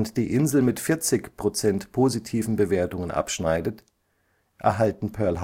die Insel mit 40 Prozent positiven Bewertungen abschneidet, erhalten Pearl